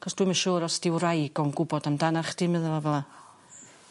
'cos dwi'm yn siŵr os 'di wraig o'n gwbod amdana chdi medda fo fel 'a.